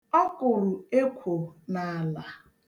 Ọ kụrụ ekwo n'ala.